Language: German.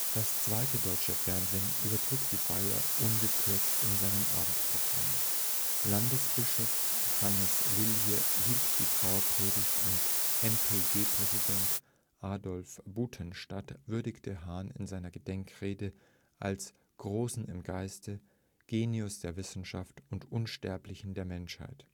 Das Zweite Deutsche Fernsehen übertrug die Feier ungekürzt in seinem Abendprogramm. Landesbischof Hanns Lilje hielt die Trauerpredigt und MPG-Präsident Adolf Butenandt würdigte Hahn in seiner Gedenkrede als „ Großen im Geiste “,„ Genius der Wissenschaft “und „ Unsterblichen der Menschheit